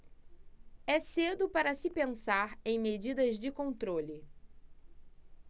é cedo para se pensar em medidas de controle